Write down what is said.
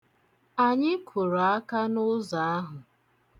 Anyị kụrụ aka n'ụzọ ahụ.